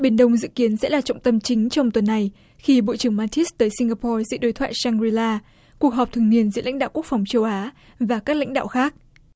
biển đông dự kiến sẽ là trọng tâm chính trong tuần này khi bộ trưởng ma tít tới sin ga po sẽ đối thoại sang ri la cuộc họp thường niên giữa lãnh đạo quốc phòng châu á và các lãnh đạo khác